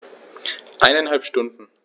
Eineinhalb Stunden